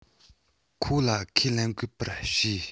ཁོ ལ ཁས ལེན དགོས པར བྱས